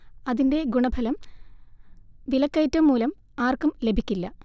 അതിന്റെ ഗുണഫലം വിലക്കയറ്റം മൂലം ആർക്കും ലഭിക്കില്ല